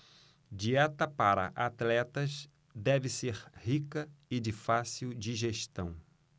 dieta para atletas deve ser rica e de fácil digestão